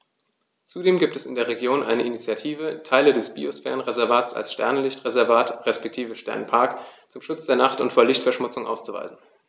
Zudem gibt es in der Region eine Initiative, Teile des Biosphärenreservats als Sternenlicht-Reservat respektive Sternenpark zum Schutz der Nacht und vor Lichtverschmutzung auszuweisen.